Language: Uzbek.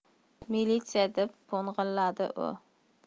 milisa deb po'ng'illadi u